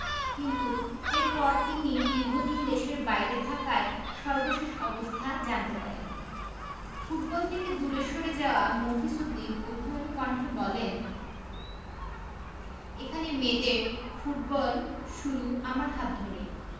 কিন্তু এরপর তিনি দীর্ঘদিন দেশের বাইরে থাকায় সর্বশেষ অবস্থা জানতে পারেননি ফুটবল থেকে দূরে সরে যাওয়া মফিজ উদ্দিন অভিমানী কণ্ঠে বললেন এখানে মেয়েদের ফুটবল শুরু আমার হাত ধরেই